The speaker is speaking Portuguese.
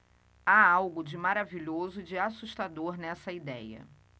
há algo de maravilhoso e de assustador nessa idéia